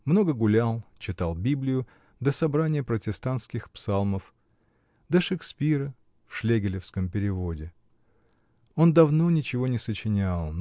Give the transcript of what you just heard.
много гулял, читал библию, да собрание протестантских псалмов, да Шекспира в шлегелевском переводе. Он давно ничего не сочинял